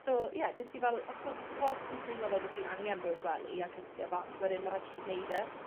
So ie jys i fel os bod corff chi'n teimlo fel bo' chi angen bod yn gwely a cysgu e bant wedyn ma' raid ti jyst neud e.